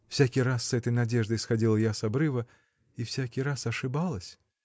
Всякий раз с этой надеждой сходила я с обрыва. и всякий раз ошибалась!